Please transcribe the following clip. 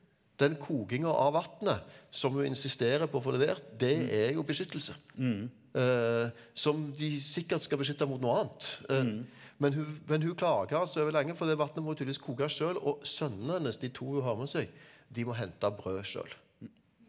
den kokingen av vatnet som hun insisterer på å få levert det er jo beskyttelse som de sikkert skal beskytte mot noe annet men hun men hun klager altså over for det vatnet må hun tydeligvis koke sjøl og sønnene hennes de to hun har med seg de må hente brød sjøl.